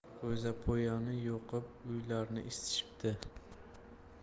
g'o'zapoyani yoqib uylarni isitishibdi